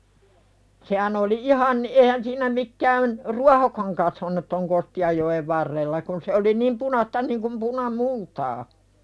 sehän oli ihan eihän siinä mikään ruohokaan kasvanut tuon Kostianjoen varrella kun se oli niin punaista niin kuin punamultaa